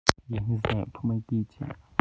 я не знаю помогите